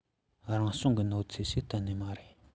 རང བྱུང གི གནོད འཚེ ཞིག གཏན ནས མ རེད